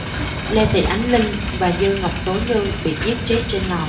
lê thị ánh linh và dư ngọc tố như bị giết chết trên lầu